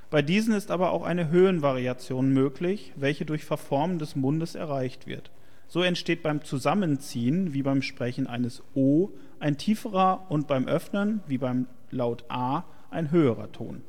Bei diesen ist aber auch eine Höhenvariation möglich, welche durch verformen des Mundes erreicht wird. So entsteht beim Zusammenziehen (wie beim Sprechen eines „ o “) ein tieferer und beim Öffnen (wie beim Laut „ a “) ein höherer Ton